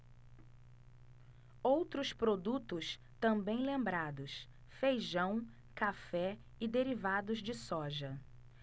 outros produtos também lembrados feijão café e derivados de soja